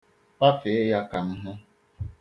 Kpafee ya ka m hụ.